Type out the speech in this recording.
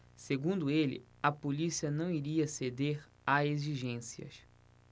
segundo ele a polícia não iria ceder a exigências